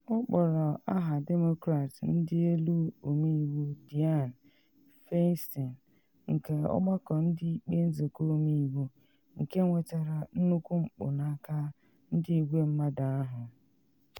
Ọ kpọrọ aha Demokrat dị elu Ọmeiwu Dianne Feinstein nke Ọgbakọ Ndị Ikpe Nzụkọ Ọmeiwu, nke nwetere nnukwu mkpu n’aka ndị igwe mmadụ ahụ.